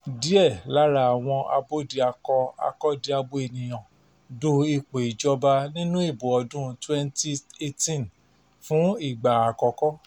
Díẹ̀ lára àwọn abódiakọ-akọ́diabo ènìyàn du ipò ìjọba nínú Ìbò ọdún 2018 fún ìgbà àkọ́kọ́.